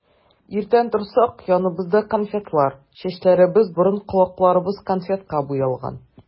Иртән торсак, яныбызда конфетлар, чәчләребез, борын-колакларыбыз конфетка буялган.